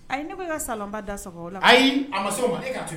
A ye ne ka saba da sago la ayi a ma